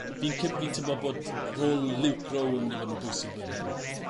fi'n cy- fi'n timlo bod rôl Luke Rowe yn myn' i fod yn bwysig blwyddyn hyn.